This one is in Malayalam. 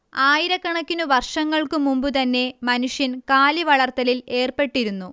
ആയിരക്കണക്കിനു വർഷങ്ങൾക്കു മുമ്പുതന്നെ മനുഷ്യൻ കാലി വളർത്തലിൽ ഏർപ്പെട്ടിരുന്നു